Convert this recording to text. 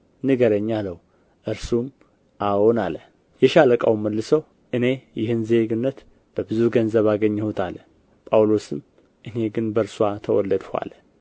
ንገረኝ አለው እርሱም አዎን አለ የሻለቃውም መልሶ እኔ ይህን ዜግነት በብዙ ገንዘብ አገኘሁት አለ ጳውሎስም እኔ ግን በእርስዋ ተወለድሁ አለ